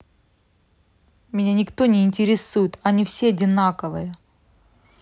меня никто не интересует они все одинаковые